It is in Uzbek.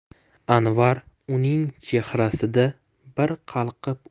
anvar uning chehrasida bir qalqib